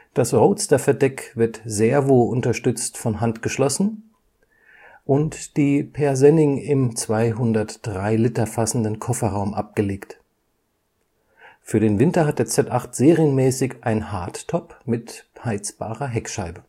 Das Roadsterverdeck wird servounterstützt von Hand geschlossen und die Persenning im 203 Liter fassenden Kofferraum abgelegt. Für den Winter hat der Z8 serienmäßig ein Hardtop mit heizbarer Heckscheibe